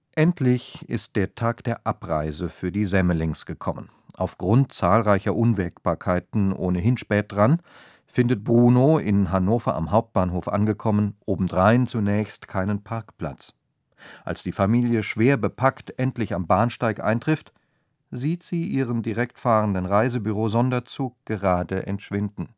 Endlich ist der Tag der Abreise für die Semmelings gekommen. Aufgrund zahlreicher Unwägbarkeiten ohnehin spät dran, findet Bruno, in Hannover am Hauptbahnhof angekommen, obendrein zunächst keinen Parkplatz. Als die Familie schwer bepackt endlich am Bahnsteig eintrifft, sieht sie ihren direkt fahrenden Reisebüro-Sonderzug gerade entschwinden